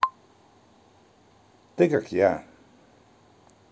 ты как я